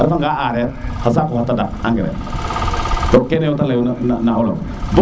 a refa nga areer xa saaku xa tadaq engrais kon kene te leyu na olof